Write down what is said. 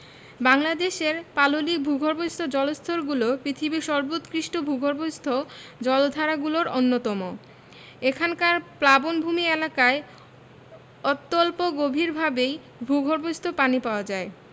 বাংলাদেশের পাললিক ভূগর্ভস্থ জলস্তরগুলো পৃথিবীর সর্বোৎকৃষ্ট ভূগর্ভস্থ জলাধারগুলোর অন্যতম এখানকার প্লাবনভূমি এলাকায় অত্যল্প গভীরভাবেই ভূগর্ভস্থ পানি পাওয়া যায়